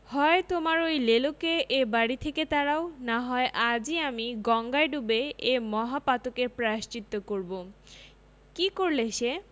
হয় তোমার ঐ লেলোকে বাড়ি থেকে তাড়াও না হয় আজই আমি গঙ্গায় ডুবে এ মহাপাতকের প্রায়শ্চিত্ত করব কি করলে সে